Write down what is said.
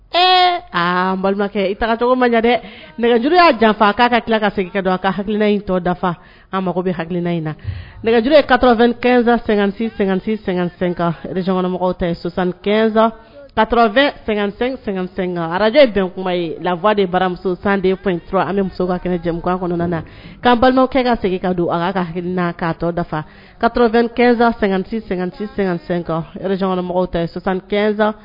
Eekɛ dɛ nɛgɛj y'a dafa k'a ka ka segin don a ka hakililina tɔ dafa an mago bɛ halina in na nɛgɛjuru ka2san sɛgɛnkaresansan arajjɛ bɛn kuma ye lafa de baramusosan de an muso kɛnɛ jɛmu kɔnɔna na' balimakɛ ka seginka don a ka halina kaatɔ dafa ka2santikare tasansan